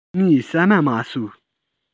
ངས ཟ མ མ ཟོས